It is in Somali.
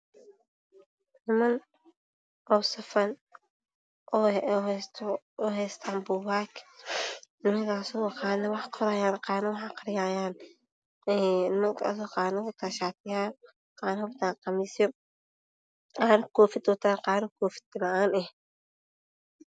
Rag oo safan oo haysto buugaag qaarna wax bay qorahayaan qaarna wax bay aqrisanaayaan, qaar waxay wataan shaatiyo qaarna waxay wataan qamiisyo. Qaar koofi ayay wataan qaarna waa bilaa koofi.